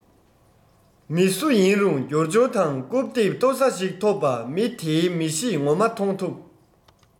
མི སུ ཡིན རུང རྒྱུ འབྱོར དང རྐུབ སྟེགས མཐོ ས ཞིག ཐོབ པ མི དེའི མི གཞི དངོས མ མཐོང ཐུབ